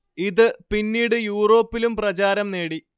ഇത് പിന്നീടു യൂറോപ്പിലും പ്രചാരം നേടി